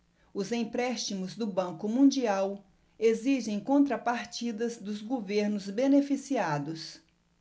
os empréstimos do banco mundial exigem contrapartidas dos governos beneficiados